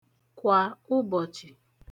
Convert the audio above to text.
kwà ụbọ̀chị̀